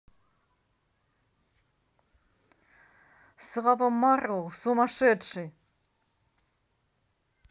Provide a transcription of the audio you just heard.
slava marlow сумасшедший